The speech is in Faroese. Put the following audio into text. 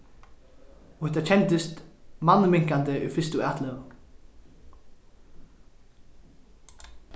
og hetta kendist mannminkandi í fyrstu atløgu